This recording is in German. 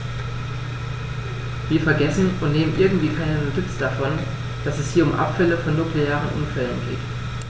Wir vergessen, und nehmen irgendwie keine Notiz davon, dass es hier um Abfälle von nuklearen Unfällen geht.